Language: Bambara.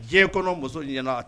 Diɲɛ kɔnɔ muso ɲɛna